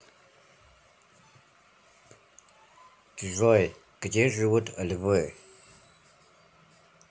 джой где живут львы